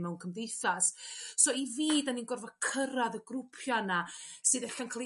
mewn cydeithas so i fi 'da ni'n gorfo' cyrradd y grwpia' 'na sydd ella'n ca'l i